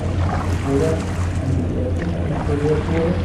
Parks Bruder, einem Elektriker, inspiriert wurde